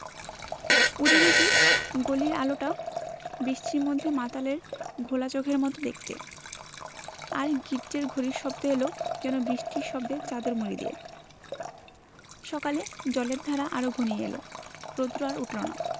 উঠে দেখি গলির আলোটা বৃষ্টির মধ্যে মাতালের ঘোলা চোখের মত দেখতে আর গির্জ্জের ঘড়ির শব্দ এল যেন বৃষ্টির শব্দের চাদর মুড়ি দিয়ে সকালে জলের ধারা আরো ঘনিয়ে এল রোদ্র আর উঠল না